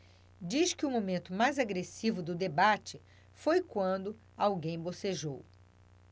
diz que o momento mais agressivo do debate foi quando alguém bocejou